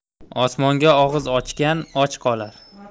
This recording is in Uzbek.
osmonga og'iz ochgan och qolar